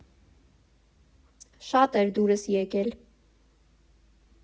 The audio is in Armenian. Շատ էր դուրս եկել։